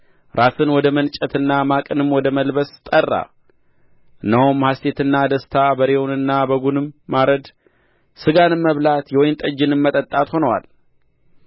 ራስን ወደ መንጨትና ማቅንም ወደ መልበስ ጠራ እነሆም ሐሜትና ደስታ በሬውንና በጉንም ማረድ ሥጋንም መብላት የወይን ጠጅንም መጠጣት ሆነዋል